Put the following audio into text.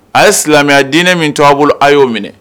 A ye silamɛya diinɛ min to'a bolo a y'o minɛ